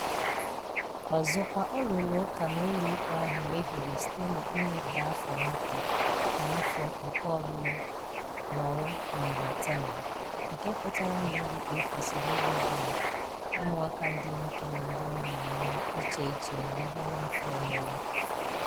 Ọzọkwa, ọ rụrụ ụka na ụlọikpe ahụ mehiere site na "ime ka afọ nwata na afọ nke ọlụlụ nọrọ na nhatanaha," nke pụtara na ụlọikpe kwesịrị ilebara ụmụaka ndị nwoke na ndị nwaanyị anya iche iche ma a bịa n'afọ ọlụlụ.